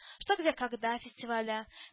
– “что? где? когда?” фестивале